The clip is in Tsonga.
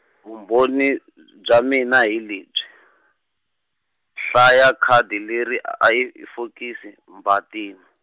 vumbhoni , bya mina hi lebyi, hlaya khadi leri a hayi i fokisi, Mbatini.